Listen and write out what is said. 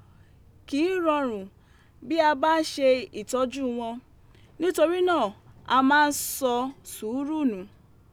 Kì í rọrùn bí a bá ń ṣe ìtọ́júu wọn, nítorí náà a máa sọ sùúrù nù.